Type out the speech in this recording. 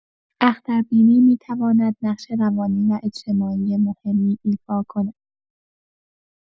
اختربینی می‌تواند نقش روانی و اجتماعی مهمی ایفا کند.